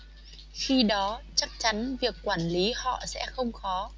khi đó chắc chắn việc quản lý họ sẽ không khó